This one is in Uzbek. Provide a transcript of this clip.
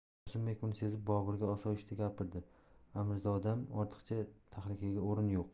qosimbek buni sezib boburga osoyishta gapirdi amirzodam ortiqcha tahlikaga o'rin yo'q